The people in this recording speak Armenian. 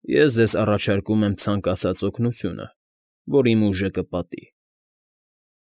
Ես ձեզ առաջարկում եմ ցանկացած օգնությունը, որ իմ ուժը կպատի։